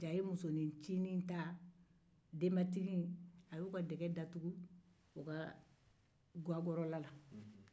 a ye musonin ncinin ta datugu o ka gakɔrɔla la